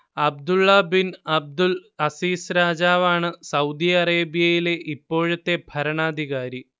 Abdulla bin Abdul Aziz രാജാവാണ് Saudi അറേബ്യയിലെ ഇപ്പോഴത്തെ ഭരണാധികാരി